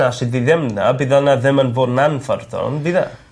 'na os odd 'i ddim 'na bydd wnna ddim yn fod yn anffyrddon fydd e?